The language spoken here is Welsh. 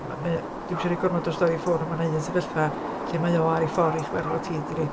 Mae mae o... Dwi ddim eisiau rhoi gormod o'r stori i ffwrdd, ond mae yna un sefyllfa lle mae o ar ei ffordd i'w chyfarfod hi dydy?